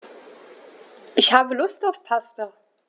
Ich habe Lust auf Pasta.